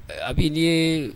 A bɛ di